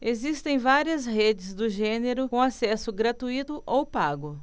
existem várias redes do gênero com acesso gratuito ou pago